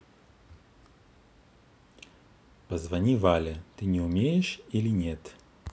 позвони вале ты не умеешь или нет